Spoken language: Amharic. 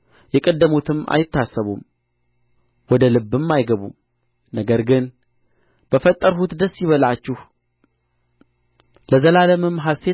የቀደሙትም አይታሰቡም ወደ ልብም አይገቡም ነገር ግን በፈጠርሁት ደስ ይበላችሁ ለዘላለምም ሐሤት